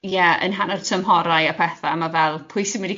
...ie, yn hanner tymhorau a pethau, ma' fel pwy sy'n mynd